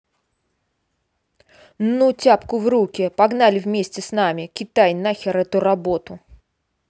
ну тяпку в руки погнали вместе с нами китай нахер эту работу